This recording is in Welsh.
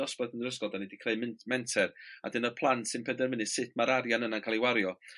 dosbarth yn yr ysgol 'dyn 'di creu min- menter a 'dyn y plant sy'n penderfynu sut ma'r arian yna'n ca'l ei wario.